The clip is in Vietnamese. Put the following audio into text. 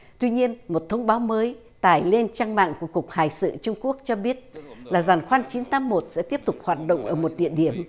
tuy nhiên một thông báo mới tải lên trang mạng của cục hải sự trung quốc cho biết là giàn khoan chín tám một sẽ tiếp tục hoạt động ở một địa điểm